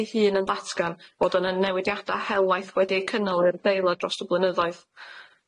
ei hun yn datgan fod yna newidiada helaeth wedi eu cynnal i'r deilad dros y blynyddoedd.